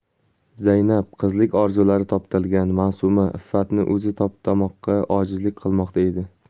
zaynab qizlik orzulari toptalgan ma'suma iffatini o'zi toptamoqqa ojizlik qilmoqda edi